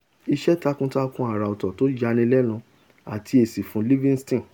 Iṣẹ́ takun-takun àra-ọ̀tọ̀ tó yanilẹ́nu àti èsì fún Livingston.